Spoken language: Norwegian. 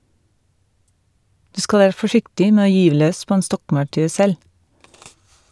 - Du skal være forsiktig med å gyve løs på en stokkmaurtue selv.